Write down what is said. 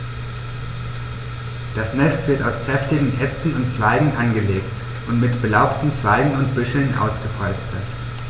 Das Nest wird aus kräftigen Ästen und Zweigen angelegt und mit belaubten Zweigen und Büscheln ausgepolstert.